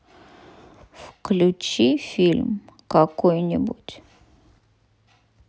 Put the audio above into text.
включи фильм какой нибудь